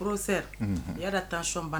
Sera u yɛrɛ tancban